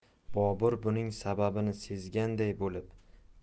bobur buning sababini sezganday bo'lib